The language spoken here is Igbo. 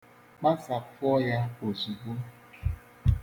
Kpasapụọ ya ozugbo.